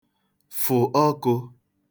fụ̀ ọkụ̄